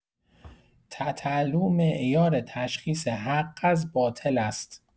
تتلو معیار تشخص حق از باطل است!